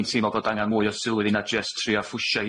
i'n teimlo bod angan mwy o sylw iddi na jyst trio phwsho